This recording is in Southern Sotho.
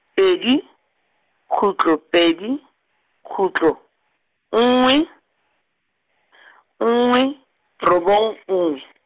pedi, kgutlo pedi, kgutlo, nngwe , nngwe, robong nngwe.